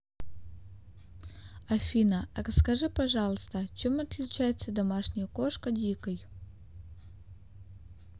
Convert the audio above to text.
афина расскажи пожалуйста чем отличается домашняя кошка дикой